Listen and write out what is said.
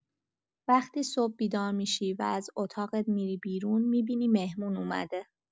وقتی صبح بیدار می‌شی و از اتاقت می‌ری بیرون می‌بینی مهمون اومده